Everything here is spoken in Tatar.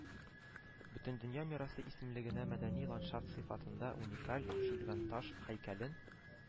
Бөтендөнья мирасы исемлегенә мәдәни ландшафт сыйфатында уникаль шүлгәнташ һәйкәлен